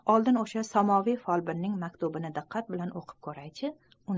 oldin o'sha samoviy folbinning maktubini diqqat bilan o'qib ko'ray chi